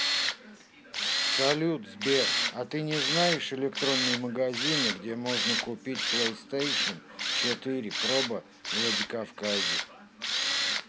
салют сбер а ты не знаешь электронные магазины где можно купить playstation четыре проба владикавказе